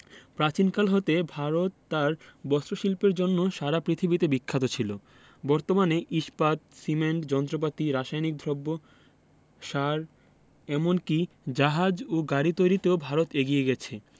প্রাচীনকাল হতে ভারত তার বস্ত্রশিল্পের জন্য সারা পৃথিবীতে বিখ্যাত ছিল বর্তমানে ইস্পাত সিমেন্ট যন্ত্রপাতি রাসায়নিক দ্রব্য সার এমন কি জাহাজ ও গাড়ি তৈরিতেও ভারত এগিয়ে গেছে